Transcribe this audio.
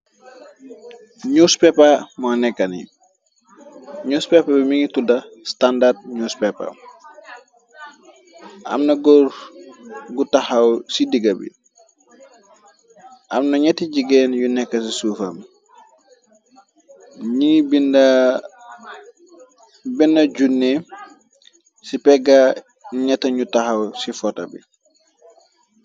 Ñuws pepa moo nekkani nus peppa bi mingi tudda standard nus peper amna goor gu taxaw ci diga bi amna ñetti jigéen yu nekk ci suufam ñi benna junne ci pegga ñeta ñu taxaw ci fota bi.